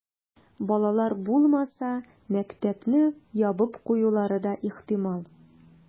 Балалар булмаса, мәктәпне ябып куюлары да ихтимал.